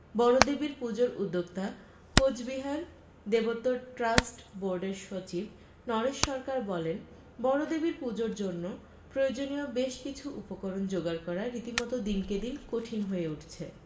বড় দেবীর পূজোর উদ্যোক্তা কোচবিহার দেবোত্তর ট্রাস্ট বোরডের সচিব নরেশ সরকার বলেন বড়দেবীর পূজোর জন্য প্রয়োজনীয় বেশ কিছু উপকরণ জোগাড় করা রীতি মতো দিনকে দিন কঠিন হয়ে উঠছে